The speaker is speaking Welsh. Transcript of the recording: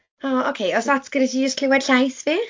O ocê, oes ots gyda ti jyst clywed llais fi?